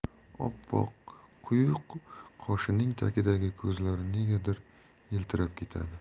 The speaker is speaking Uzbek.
oppoq quyuq qoshining tagidagi ko'zlari negadir yiltirab ketadi